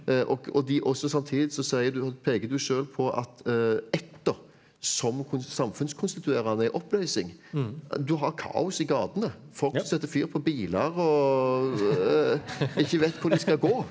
og de også samtidig så sier du peker du sjøl på at ettersom samfunnskonstituerende er i oppløsing du har kaos i gatene, folk setter fyr på biler og ikke vet hvor de skal gå .